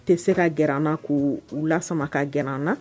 U tɛ se ka gna k' u lasa ka gana